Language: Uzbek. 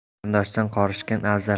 qarindoshdan qorishgan afzal